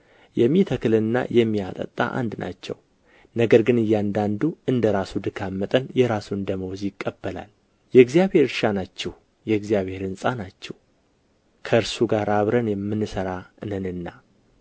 የሚተክልና የሚያጠጣ አንድ ናቸው ነገር ግን እያንዳንዱ እንደ ራሱ ድካም መጠን የራሱን ደመወዝ ይቀበላል የእግዚአብሔር እርሻ ናችሁ የእግዚአብሔር ሕንፃ ናችሁ ከእርሱ ጋር አብረን የምንሠራ ነንና